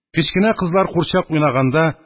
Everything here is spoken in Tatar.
Кечкенә кызлар курчак уйнаганда